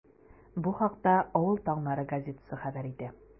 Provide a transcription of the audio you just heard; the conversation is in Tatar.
Бу хакта “Авыл таңнары” газетасы хәбәр итә.